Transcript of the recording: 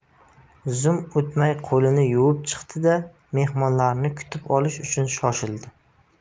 zum o'tmay qo'lini yuvib chiqdi da mehmonlarni kutib olish uchun shoshildi